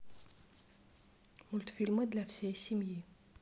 мультфильмы для всей семьи